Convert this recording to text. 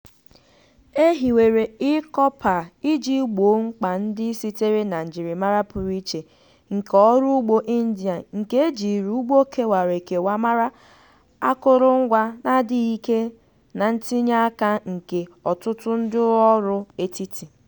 E hiwere e Choupal iji gboo mkpa ndị sitere na njirimara pụrụ iche nke ọrụugbo India, nke e jiri ugbo kewara ekewa mara, akụrụngwa n'adịghị ike na ntinye aka nke ọtụtụ ndịọrụ etiti…